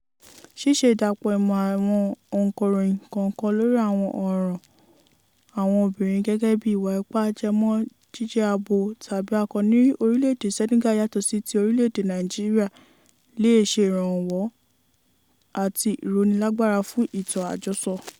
Ṣíṣe ìdàpọ̀ ìmọ̀ àwọn ọ̀ǹkọ̀ròyìn kọ̀ọ̀kan lórí àwọn ọ̀ràn àwọn obìnrin - gẹ́gẹ́ bíi ìwà ipá ajẹmọ́ jíjẹ́ abo tàbí akọ ní orílẹ̀ èdè Senegal yàtọ̀ sí ti orílẹ̀ èdè Nàìjíríà - le se ìrànwọ́ àti ìrónílágbára fún ìtàn àjọsọ.